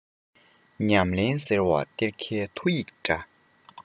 ཉམས ལེན ཟེར བ གཏེར ཁའི ཐོ ཡིག འདྲ